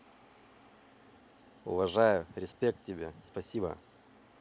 уважаю респект тебе спасибо